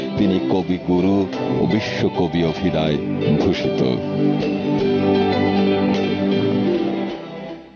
তিনি কবিগুরু ও বিশ্বকবি অভিধায় ভূষিত